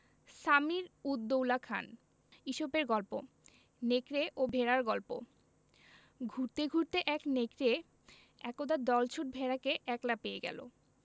সামির উদ দৌলা খান ইসপের গল্প নেকড়ে ও ভেড়ার গল্প ঘুরতে ঘুরতে এক নেকড়ে একদা দলছুট ভেড়াকে একলা পেয়ে গেল